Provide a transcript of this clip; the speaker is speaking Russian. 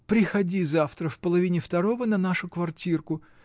приходи завтра в половине второго на нашу квартирку.